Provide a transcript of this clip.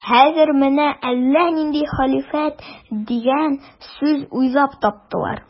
Хәзер менә әллә нинди хәлифәт дигән сүз уйлап таптылар.